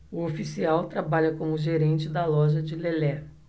o oficial trabalha como gerente da loja de lelé